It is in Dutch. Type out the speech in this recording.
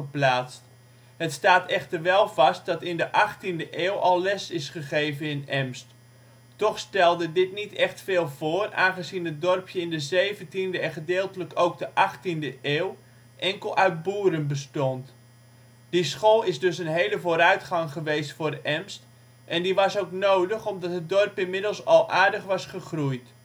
geplaatst. Het staat echter wel vast dat in de 18e eeuw al les is gegeven in Emst. Toch stelde dit niet echt veel voor aangezien het dorpje in de 17e en gedeeltelijk ook de 18e eeuw enkel uit boeren bestond. Die school is dus een hele vooruitgang geweest voor Emst en die was ook nodig omdat het dorp inmiddels al aardig was gegroeid